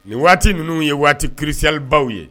Nin waati ninnu ye waati crucial baw ye.